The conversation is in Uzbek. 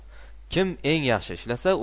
kim eng yaxshi ishlasa